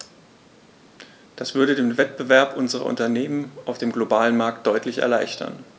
Das würde den Wettbewerb unserer Unternehmen auf dem globalen Markt deutlich erleichtern.